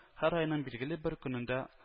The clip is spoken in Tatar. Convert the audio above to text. Һәр айның билгеле бер көнендә